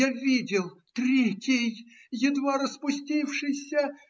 Я видел третий, едва распустившийся.